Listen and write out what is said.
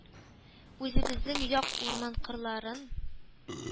Үзебезнең як урман-кырларын